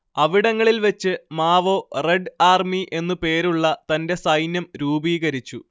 അവിടങ്ങളിൽ വെച്ച് Mao red army എന്നു പേരുള്ള തന്റെ സൈന്യം രൂപീകരിച്ചു